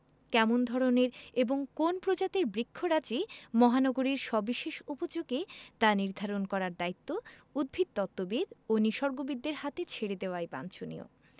কেমন ধরনের এবং কোন্ প্রজাতির বৃক্ষরাজি মহানগরীর সবিশেষ উপযোগী তা নির্ধারণ করার দায়িত্ব উদ্ভিদতত্ত্ববিদ ও নিসর্গবিদদের হাতে ছেড়ে দেয়াই বাঞ্ছনীয়